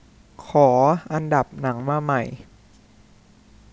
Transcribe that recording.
ขออันดับหนังมาใหม่